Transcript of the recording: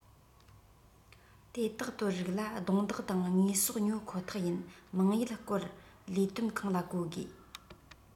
དེ དག དོར རིགས ལ རྡུང རྡེག དང དངོས ཟོག ཉོ ཁོ ཐག ཡིན མང ཡུལ སྐོར ལས དོན ཁང ལ གོ དགོས